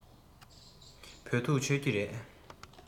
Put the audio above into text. བོད ཐུག མཆོད ཀྱི རེད